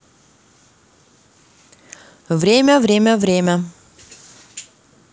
время время время